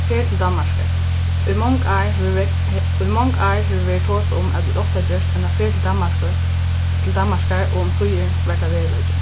ferð til danmarkar í mong ár hevur verið tosað um at vit áttu at gjørt eina ferð til til danmarkar og umsíðir var tað veruleiki